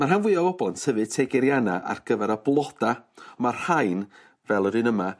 Ma' rhan fwya o bobol yn tyfy teg eriana ar gyfar y bloda ma'r rhain fel yr un yma